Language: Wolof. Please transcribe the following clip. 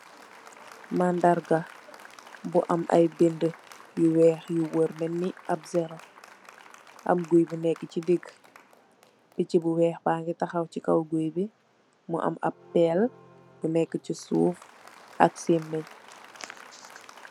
Mandarga bu am ay bindé yu wèèx yu warr melni ap zero. Am guy bu nekka ci digih picci nu wèèx ba'ngi taxaw ci kaw guy bi mu am ap péél bu nekka ci suuf ak simeng.